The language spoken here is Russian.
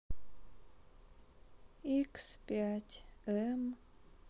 икс пять эм